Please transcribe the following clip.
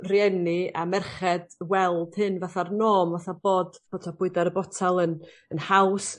reini a merched weld hyn fatha'r norm fatha bod bod t'o' bwydo ar y botal yn yn haws